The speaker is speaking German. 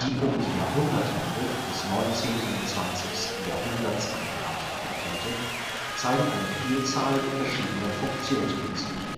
Die um die Jahrhundertwende des 19. / 20. Jahrhunderts eingereichten Patente zeigen eine Vielzahl verschiedener Funktionsprinzipien